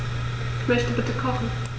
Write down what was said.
Ich möchte bitte kochen.